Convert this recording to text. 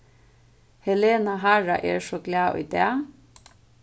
helena hara er so glað í dag